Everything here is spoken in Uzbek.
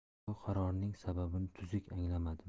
bu qarorning sababini tuzuk anglamadim